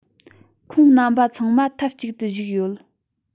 ཁོང རྣམ པ ཚང མ ཐབས ཅིག ཏུ བཞུགས ཡོད